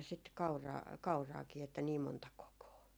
sitten kauraa kauraakin että niin monta kokoa